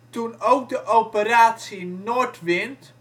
toen ook de operatie Nordwind